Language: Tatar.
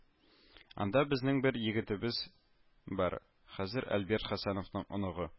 Анда безнең бер егетебез бар хәзер Альберт Хәсәновның оныгы